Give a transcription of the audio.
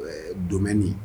Donni